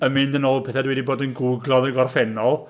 yn mynd yn ôl i pethau dwi 'di bod yn gŵglo'n y gorffennol.